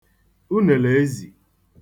unèlè ezì